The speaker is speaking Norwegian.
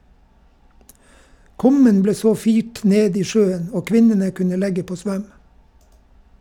Kummen ble så firt ned i sjøen, og kvinnene kunne legge på svøm.